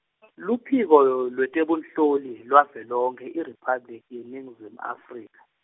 Luphiko , lweTebunhloli lwavelonkhe IRiphabliki yeNingizimu Afrika.